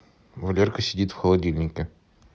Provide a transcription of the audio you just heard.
валерка сидит в холодильнике